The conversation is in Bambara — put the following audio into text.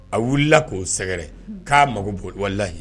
A wulilala k'o sɛgɛrɛ k'a mako waleyi